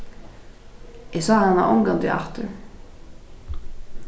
eg sá hana ongantíð aftur